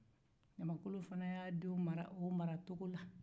ɲamankolon fana y'a denw mara o maracogo la